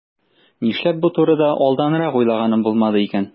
Нишләп бу турыда алданрак уйлаганым булмады икән?